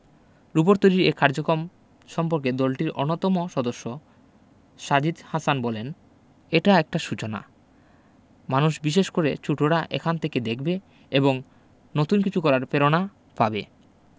robot তৈরির এ কার্যক্রম সম্পর্কে দলটির অন্যতম সদস্য সাজিদ হাসান বললেন এটা একটা সূচনা মানুষ বিশেষ করে ছোটরা এখান থেকে দেখবে এবং নতুন কিছু করার প্রেরণা পাবে